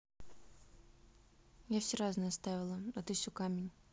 я все разные оставила а ты все камень